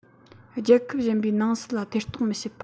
རྒྱལ ཁབ གཞན པའི ནང སྲིད ལ ཐེ གཏོགས མི བྱེད པ